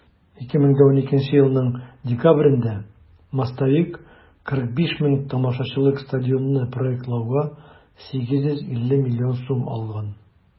2012 елның декабрендә "мостовик" 45 мең тамашачылык стадионны проектлауга 850 миллион сум алган.